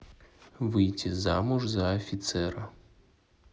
выйти замуж за офицера